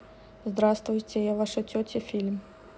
здравствуйте я ваша тетя фильм